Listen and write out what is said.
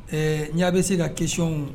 Ee n ye ABC ka question_ w